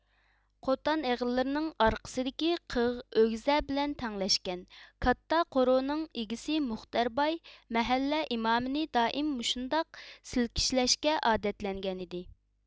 قوتان ئېغىللىرىنىڭ ئارقىسىدىكى قىغ ئۆگزە بىلەن تەڭلەشكەن كاتتا قورۇنىڭ ئىگىسى مۇختەرباي مەھەللە ئىمامىنى دائىم مۇشۇنداق سىلكىشلەشكە ئادەتلەنگەنىدى